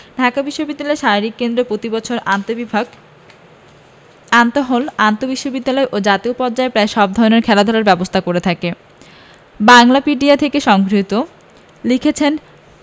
ঢাকা বিশ্ববিদ্যালয় শারীরিক শিক্ষা কেন্দ্র প্রতিবছর আন্তঃবিভাগ আন্তঃহল আন্তঃবিশ্ববিদ্যালয় ও জাতীয় পর্যায়ে প্রায় সব ধরনের খেলাধুলার ব্যবস্থা করে থাকে বাংলাপিডিয়া থেকে সংগৃহীত লিখেছেন